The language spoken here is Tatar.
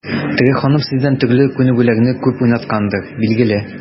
Теге ханым сездән төрле күнегүләрне күп уйнаткандыр, билгеле.